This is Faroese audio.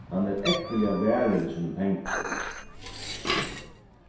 hann er ógvuliga varin við sínum pengum